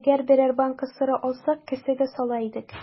Әгәр берәр банка сыра алсак, кесәгә сала идек.